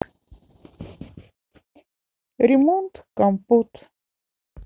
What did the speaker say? ремонт компот